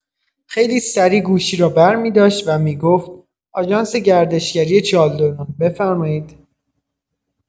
خیلی سریع گوشی را برمی‌داشت و می‌گفت: «آژانس گردشگری چالدران، بفرمایید.»